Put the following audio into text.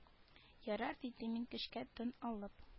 Ярар дидем мин көчкә тын алып